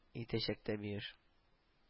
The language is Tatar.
Итәчәк тә биюш